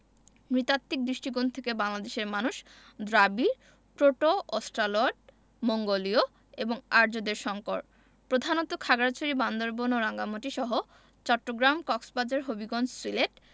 নৃতাত্ত্বিক দৃষ্টিকোণ থেকে বাংলাদেশের মানুষ দ্রাবিড় প্রোটো অস্ট্রালয়েড মঙ্গোলীয় এবং আর্যদের সংকর প্রধানত খাগড়াছড়ি বান্দরবান ও রাঙ্গামাটিসহ চট্টগ্রাম কক্সবাজার হবিগঞ্জ সিলেট